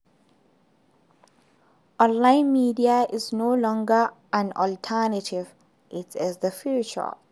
Online media is no longer an alternative: it is the future.